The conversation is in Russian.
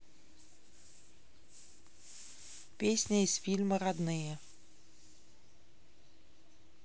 песня из фильма родные